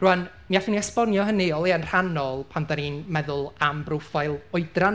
Rŵan, mi allwn ni esbonio hynny o leia yn rhannol pan da ni'n meddwl am broffail oedran.